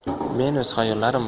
men o'z xayollarim